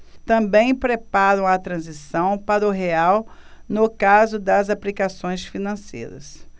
também preparam a transição para o real no caso das aplicações financeiras